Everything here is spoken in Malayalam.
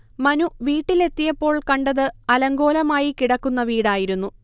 മനു വീട്ടിലെത്തിയപ്പോൾ കണ്ടത് അലങ്കോലമായി കിടക്കുന്ന വീടായിരുന്നു